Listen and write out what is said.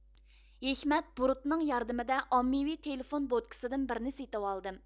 ھېكمەت بۇرۇتنىڭ ياردىمىدە ئاممىۋى تېلېفون بوتكىسىدىن بىرنى سېتىۋالدىم